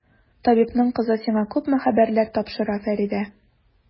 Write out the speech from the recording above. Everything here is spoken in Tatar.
Табибның кызы сиңа күпме хәбәрләр тапшыра, Фәридә!